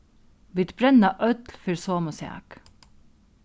vit brenna øll fyri somu sak